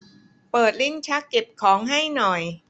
เปิดลิ้นชักเก็บของให้หน่อย